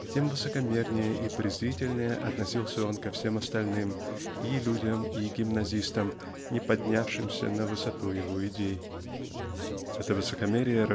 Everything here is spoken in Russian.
тем высокомернее и презрительнее относился он ко всем остальным и людям и гимназистам не поднявшимся на высоту его идей. Это высокомерие